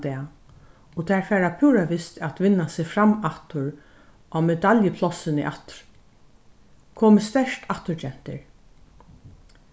dag og tær fara púra vist at vinna seg fram aftur á medaljuplássini aftur komið sterkt aftur gentur